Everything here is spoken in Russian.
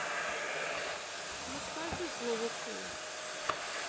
ну скажи слово хуй